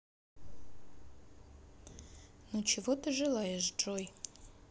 ну чего ты желаешь джой